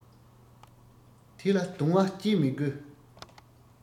དེ ལ གདུང བ བསྐྱེད མི དགོས